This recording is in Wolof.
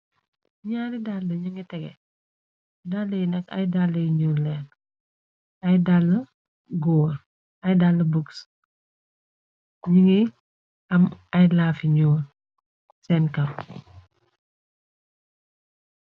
Ñaari dàll ña ngi tege dalla yi nak ay dalla yi nuor leen ay dall gore ay dall boks ni ngiy am ay laafi ñuur seen caw.